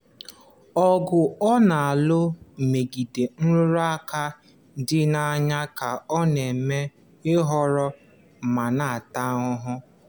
Ọgụ ọ na-alụ megide nrụrụ aka dị n'anya ka ọ na-eme nhọrọ ma na-ata ahụhụ.